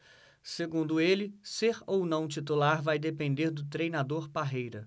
segundo ele ser ou não titular vai depender do treinador parreira